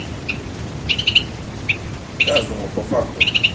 каждому по факту